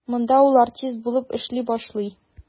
Монда ул артист булып эшли башлый.